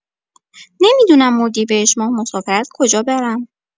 نمی‌دونم اردیبهشت‌ماه مسافرت کجا برم.